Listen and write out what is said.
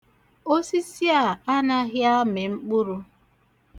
Osisi a anaghị amị mkpụrụ.